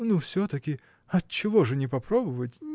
-- Ну, все-таки, отчего же не попробовать?